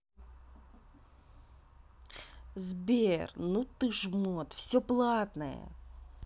сбер ну ты жмот все платное